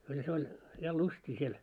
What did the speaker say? kyllä se oli ja lystiä siellä